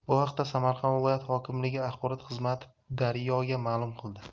bu haqda samarqand viloyat hokimligi axborot xizmati daryo ga ma'lum qildi